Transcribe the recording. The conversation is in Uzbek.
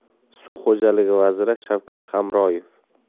suv xo'jaligi vaziri shavkat hamroyev